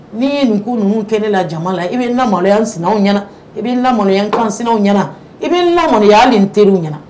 N'i ye nin ko numu tɛ ne la jama la i bɛ laya sina ɲɛna i bɛ laya kan sinaw ɲɛna i bɛ lamya ni teri ɲɛna